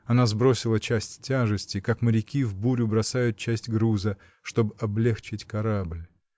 Она сбросила часть тяжести, как моряки в бурю бросают часть груза, чтоб облегчить корабль.